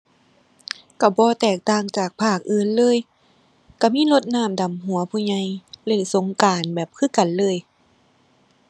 ก็บ่แตกต่างจากภาคอื่นเลย ก็มีรดน้ำดำหัวผู้ใหญ่ เล่นสงกรานต์แบบคือกันเลย